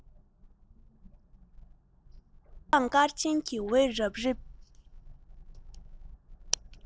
ཐོ རངས སྐར ཆེན གྱི འོད རབ རིབ